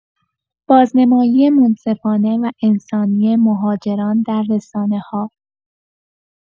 بازنمایی منصفانه و انسانی مهاجران در رسانه‌ها